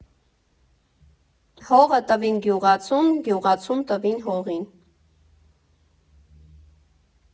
Հողը տվին գյուղացուն, գյուղացուն տվին հողին։